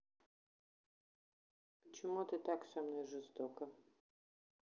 почему ты так со мной жестока